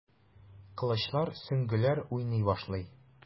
Кылычлар, сөңгеләр уйный башлый.